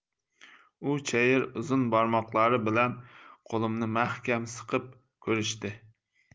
u chayir uzun barmoqlari bilan qo'limni mahkam siqib ko'rishdi